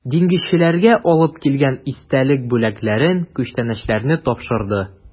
Диңгезчеләргә алып килгән истәлек бүләкләрен, күчтәнәчләрне тапшырды.